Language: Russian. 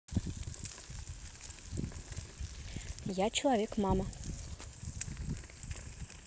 я человек мама